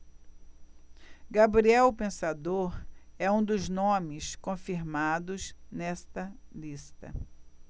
gabriel o pensador é um dos nomes confirmados nesta lista